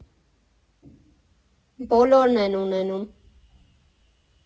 Բոլորն են ունենում։